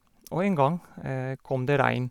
Og en gang kom det regn.